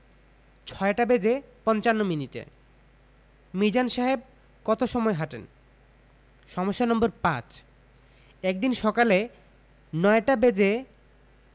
৬টা বেজে পঞ্চান্ন মিনিটে মিজান সাহেব কত সময় হাঁটেন সমস্যা নম্বর ৫ একদিন সকালে ৯টা বেজে